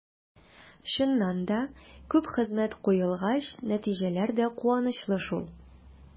Чыннан да, күп хезмәт куелгач, нәтиҗәләр дә куанычлы шул.